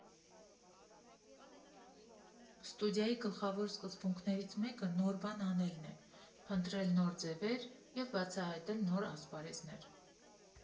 Ստուդիայի գլխավոր սկզբունքներից մեկը նոր բան անելն է՝ «փնտրել նոր ձևեր ու բացահայտել նոր ասպարեզներ։